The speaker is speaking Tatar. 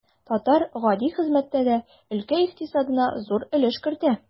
Татар гади хезмәттә дә өлкә икътисадына зур өлеш кертә.